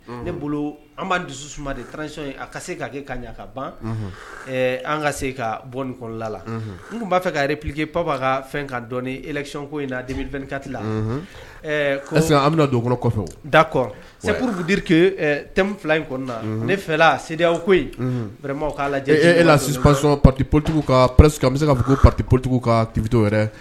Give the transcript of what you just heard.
Ne bolo an b'an dususu suma dec a ka se k'a kɛ kaɲa ka ban an ka se ka bɔkɔla la n tun b'a fɛ ka ppkike pabaa ka fɛn kaa dɔn ekiconko in na2inkati la que an bɛna donkɔ kɔfɛ dakɔ sepurugudike te fila in kɔnɔna na ne fɛla sedi ko in wɛrɛma' lajɛ eee e lasipsɔnsɔ patepolit p an bɛ se k'a fɔ ko p patipttigiw ka tibito yɛrɛ